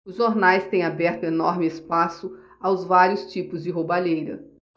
os jornais têm aberto enorme espaço aos vários tipos de roubalheira